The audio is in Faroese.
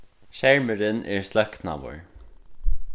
skermurin er sløknaður